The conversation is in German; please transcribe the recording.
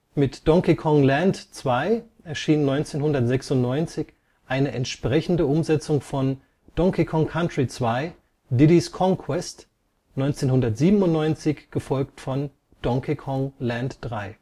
Mit Donkey Kong Land 2 erschien 1996 eine entsprechende Umsetzung von Donkey Kong Country 2: Diddy 's Kong Quest, 1997 gefolgt von Donkey Kong Land 3.